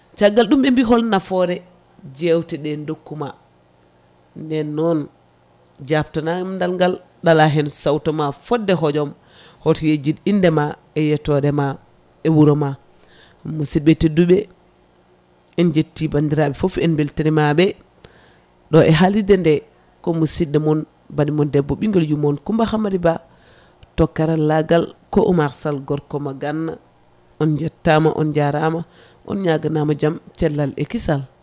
aggal ɗum ɓe mbi holno nafoore jewteɗe dokkuma nden noon jabto namdal ngal ɗaala hen sawtoma fodde hojom hoto yejjid indema e yettode ma e wuuro ma musidɓe tedduɓe en jetti bandiraɓe foof en beltanimaɓe ɗo e haalirde nde ko musidɗo moon bani moon debbo ɓiiguel yummon Coumba Hamadi Ba to karallagal ko Oumar Salla gorko mo ganna on jettatma on jarama on ñaganama jaam cellal e kisal